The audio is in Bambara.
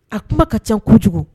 A kuma ka ca kojugu